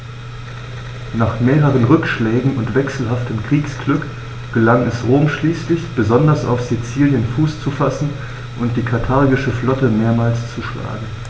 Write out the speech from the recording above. Nach mehreren Rückschlägen und wechselhaftem Kriegsglück gelang es Rom schließlich, besonders auf Sizilien Fuß zu fassen und die karthagische Flotte mehrmals zu schlagen.